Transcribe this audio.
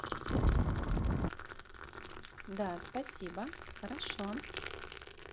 да спасибо хорошо